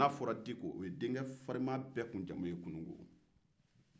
denkɛ farinman bɛɛ jamu tun ye dikɔ ye kunungo